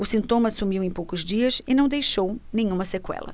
o sintoma sumiu em poucos dias e não deixou nenhuma sequela